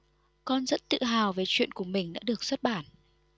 con rất tự hào vì truyện của mình đã được xuất bản